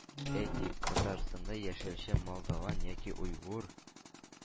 Әйтик, Татарстанда яшәүче молдаван яки уйгур,